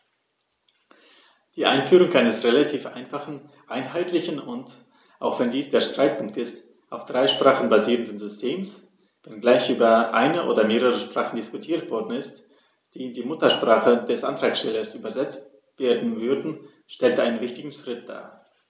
Die Einführung eines relativ einfachen, einheitlichen und - auch wenn dies der Streitpunkt ist - auf drei Sprachen basierenden Systems, wenngleich über eine oder mehrere Sprachen diskutiert worden ist, die in die Muttersprache des Antragstellers übersetzt werden würden, stellt einen wichtigen Schritt dar.